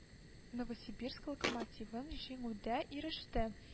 Новосибирск Локомотивын җиңүдә иреште